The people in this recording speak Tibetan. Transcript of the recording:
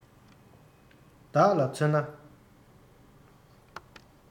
བདག ལ མཚོན ན